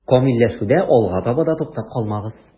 Камилләшүдә алга таба да туктап калмагыз.